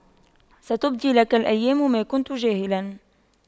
ستبدي لك الأيام ما كنت جاهلا